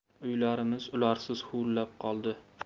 uylarimiz ularsiz huvillab qoldi